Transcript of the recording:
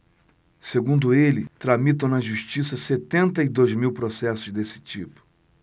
segundo ele tramitam na justiça setenta e dois mil processos desse tipo